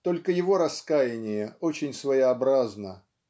Только его раскаяние очень своеобразно